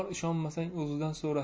ishonmasang o'zidan so'ra